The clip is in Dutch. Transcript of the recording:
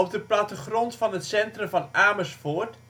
de plattegrond van het centrum van Amersfoort